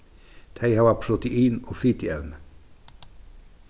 tey hava protein og fitievni